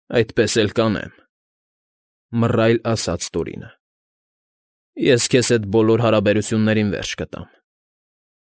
Այդպես էլ կանեմ,֊ մռայլ ասաց Տորինը։֊ Ես քեզ հետ բոլոր հարաբերություններին վերջ կտամ։